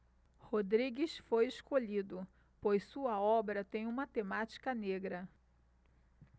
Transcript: rodrigues foi escolhido pois sua obra tem uma temática negra